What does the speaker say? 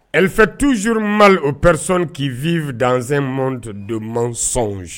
Elle fait toujours mal aux personnes qui viennent dans monde de mensonge.